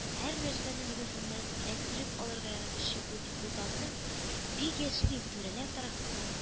Һәрнәрсәне мөгезеннән эләктереп алырга яратучы бу депутатның бик яшьли үк түрәләр тарафыннан